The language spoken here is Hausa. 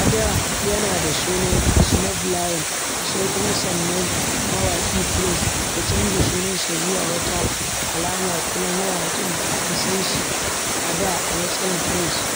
a da yana da sunan Snoop Lion sai kuma sanannen mawaƙi Prince, da canza sunansa zuwa wata alama da kuma mawaƙin da aka san shi a da a matsayin Prince.